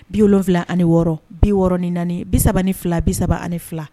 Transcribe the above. Bi wolonwula ani wɔɔrɔ bi wɔɔrɔ ni naani bi3 ni fila bi3 ani fila